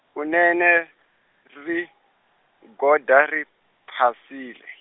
kunene, rigoda ri, phasile.